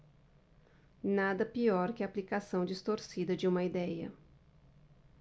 nada pior que a aplicação distorcida de uma idéia